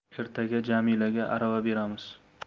ertaga jamilaga arava beramiz